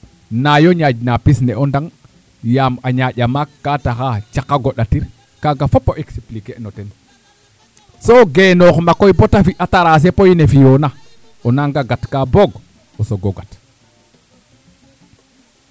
naayo ñaaƴna pis ne o ndang yaam a ñaaƴa maak ka taxa caq a gondatir kaaga fok i expliquer er no ten soo geenoox ma koy bata fi' a tracer podne fi'oona o naanga gat kaa boog o sogo gat